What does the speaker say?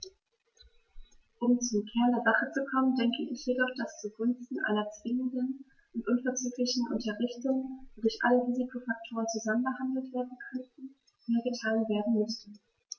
Um zum Kern der Sache zu kommen, denke ich jedoch, dass zugunsten einer zwingenden und unverzüglichen Unterrichtung, wodurch alle Risikofaktoren zusammen behandelt werden könnten, mehr getan werden müsste.